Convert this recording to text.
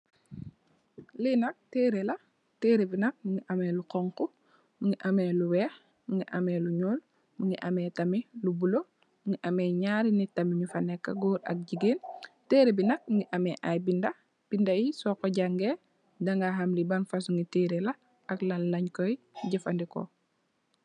Li nak tere la terre bi nak mogi ame lu xonxu mogi ame lu weex mogi ame lu nuul mogi ame tamit lu bulo mogi ame naari nit tamit yu fa neka goor ak jigéen tere bi nak mogi ame ay binda binda bi nak soko jangex da nga xam li ban fosongi tere la ak lan len koi jefendeko.